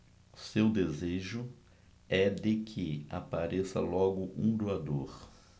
seu desejo é de que apareça logo um doador